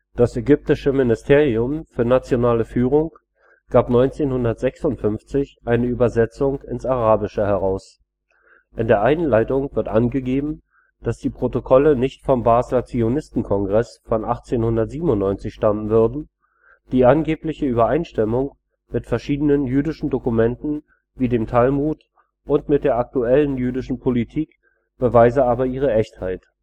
Das ägyptische Ministerium für nationale Führung gab 1956 eine Übersetzung ins Arabische heraus. In der Einleitung wird angegeben, dass die Protokolle nicht vom Basler Zionistenkongress von 1897 stammen würden, die angebliche Übereinstimmung mit verschiedenen jüdischen Dokumenten wie dem Talmud und mit der aktuellen jüdischen Politik beweise aber ihre Echtheit